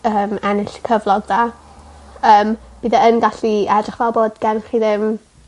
yym ennill cyflog da yym bydd e yn gallu edrych fel bod gen chi ddim